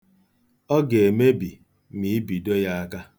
Ọ ga-emebi ma ibido ya aka.